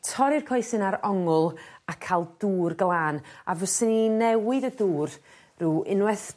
torri'r coesyn ar ongl a ca'l dŵr glân a fyswn i'n newid y dŵr rw unweth